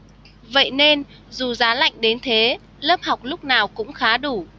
vậy nên dù giá lạnh đến thế lớp học lúc nào cũng khá đủ